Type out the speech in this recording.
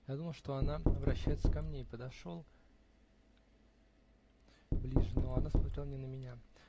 Я думал, что она обращается ко мне, и подошел ближе, но она смотрела не на меня.